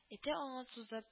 Эте аңа сузып